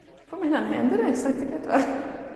O, mae hynna'n hen dydi? Saith deg pedwar.